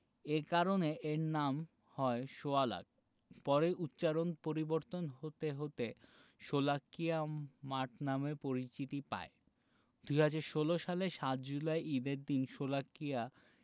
এ কারণে এর নাম হয় সোয়া লাখ পরে উচ্চারণ পরিবর্তন হতে হতে শোলাকিয়া মাঠ নামে পরিচিতি পায় ২০১৬ সালের ৭ জুলাই ঈদের দিন শোলাকিয়া